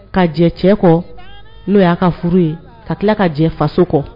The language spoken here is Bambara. Ka jɛ cɛ kɔ n'o y'a ka furu ye ka tila ka jɛ faso kɔ